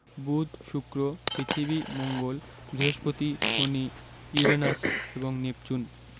বুধ শুক্র পৃথিবী মঙ্গল বৃহস্পতি শনি ইউরেনাস এবং নেপচুন